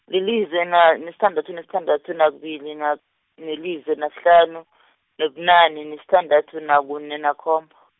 lilize na nesithandathu, nesithandathu, nakubili, na nelize, nakuhlanu , nobunane, nesithandathu, nakune, nakhom- .